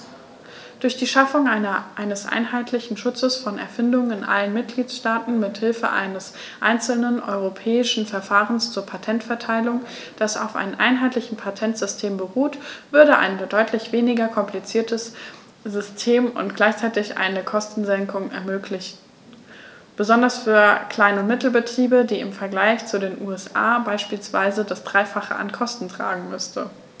Durch die Schaffung eines einheitlichen Schutzes von Erfindungen in allen Mitgliedstaaten mit Hilfe eines einzelnen europäischen Verfahrens zur Patenterteilung, das auf einem einheitlichen Patentsystem beruht, würde ein deutlich weniger kompliziertes System und gleichzeitig eine Kostensenkung ermöglicht, besonders für Klein- und Mittelbetriebe, die im Vergleich zu den USA beispielsweise das dreifache an Kosten tragen müssen.